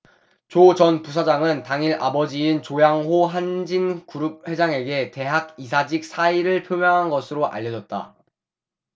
조 전 부사장은 당일 아버지인 조양호 한진그룹 회장에게 대학 이사직 사의를 표명한 것으로 알려졌다